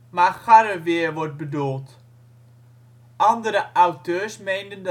maar Garreweer wordt bedoeld. Andere auteurs meenden